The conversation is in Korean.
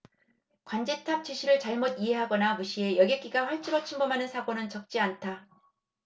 관제탑 지시를 잘못 이해하거나 무시해 여객기가 활주로를 침범하는 사고는 적지 않다